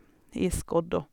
I skodda.